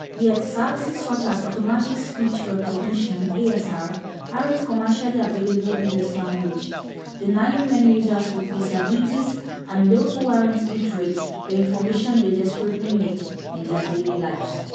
Yet services such as automatic speech recognition (ASR) aren’t commercially available in this language, denying many users with disabilities and those who aren't literate the information they desperately need in their daily lives.